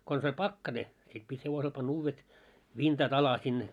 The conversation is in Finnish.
konsa oli pakkanen sitten piti hevosella panna uudet vintat alle sinne